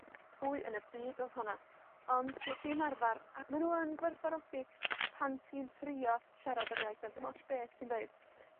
pwy yn y byd odd honna, ond gesh i ymarfar, a ma' nw yn gwerthfawrogi pan ti'n trio siarad yr iaith 'na, dim otsh be' ti'n ddeud.